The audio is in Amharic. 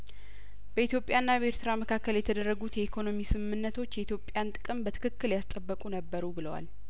በኢትዮጵያ ና በኤርትራ መካከል የተደረጉት የኢኮኖሚ ስምምነቶች የኢትዮጵያን ጥቅም በትክክል ያስጠበቁ ነበሩ ብለዋል